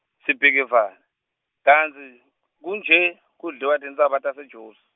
Sibhikivaze, Kantsi kunje kudliwa tintsaba taseJozi?